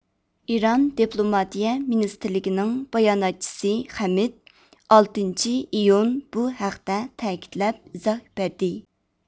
ئىران دىپلوماتىيە مىنىستىرلىكىنىڭ باياناتچىسى خەمىد ئالتىنچى ئىيۇن بۇ ھەقتە تەكىتلەپ ئېزاھ بەردى